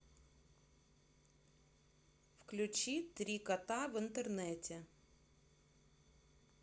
включи три кота в интернете